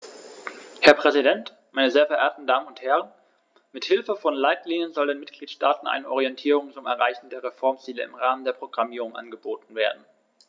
Herr Präsident, meine sehr verehrten Damen und Herren, mit Hilfe von Leitlinien soll den Mitgliedstaaten eine Orientierung zum Erreichen der Reformziele im Rahmen der Programmierung angeboten werden.